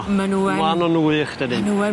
My' nw yn. Ma' nw'n wych dydi? My' nw yn.